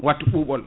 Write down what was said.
wattu ɓuɓol